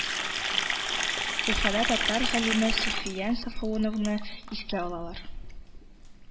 Уфада татар галиме Суфиян Сафуановны искә алалар